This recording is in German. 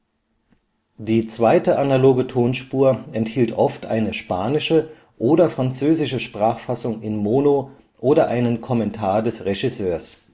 Die zweite analoge Tonspur enthielt oft eine spanische oder französische Sprachfassung in Mono oder einen Kommentar des Regisseurs